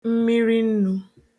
mmirinnū